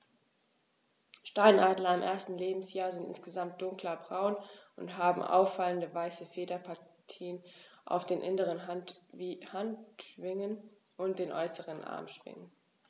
Steinadler im ersten Lebensjahr sind insgesamt dunkler braun und haben auffallende, weiße Federpartien auf den inneren Handschwingen und den äußeren Armschwingen.